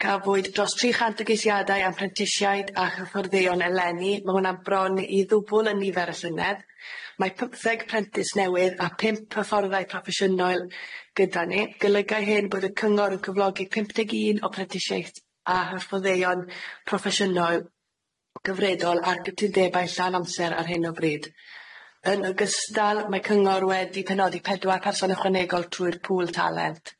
dafwyd dros tri chant o geishiade am prentishiaid a hyfforddeon eleni ma' hwnna'n bron i ddwbwl y nifer y llynedd, mae pyptheg prentys newydd a pump hyfforddai proffeshiynol gyda ni, golygai hyn bod y cyngor yn cyflogi pump deg un o prentishiaid a hyfforddeon proffeshiynol gyfredol ar gyfundebau llawn amser ar hyn o bryd, yn ogystal mae cyngor wedi penodi pedwar person ychwanegol trwy'r pŵl talent.